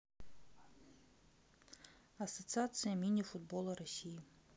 ассоциация мини футбола россии